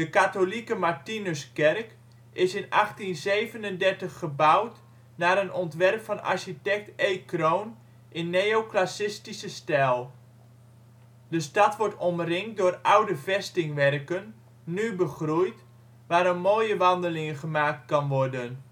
katholieke Martinuskerk is in 1837 gebouwd naar een ontwerp van architect E. Kroon in neoclassistische stijl. De stad wordt omringd door oude vestingwerken, nu begroeid, waar een mooie wandeling gemaakt kan worden